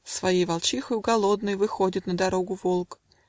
С своей волчихою голодной Выходит на дорогу волк